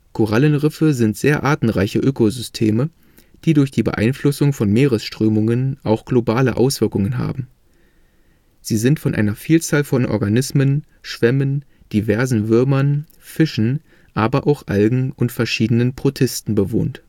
Korallenriffe sind sehr artenreiche Ökosysteme, die durch die Beeinflussung von Meeresströmungen auch globale Auswirkungen haben. Sie sind von einer Vielzahl von Organismen, Schwämmen, diversen Würmern, Fischen, aber auch Algen und verschiedenen Protisten bewohnt